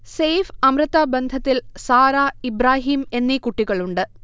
സെയ്ഫ്-അമൃത ബന്ധത്തിൽ സാറ, ഇബ്രാഹീം എന്നീ കുട്ടികളുണ്ട്